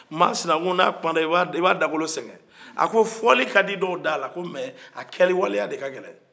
maa sinaku n'a kumanna i b'a dagolo sɛgɛn a ko fɔli ka di dɔw da la mɛ a kɛliwaliya de ka gɛlɛ